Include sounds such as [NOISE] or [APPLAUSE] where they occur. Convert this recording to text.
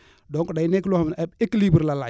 [BREATH] donc day nekk loo xam ne ab équilibre la laaj